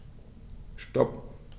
Stop.